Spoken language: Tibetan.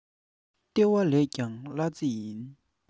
ལྟེ བ ལས ཀྱང གླ རྩི ལེན